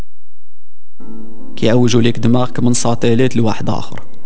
يا ابو شكلك دماغك من صوتيه لوحده اخر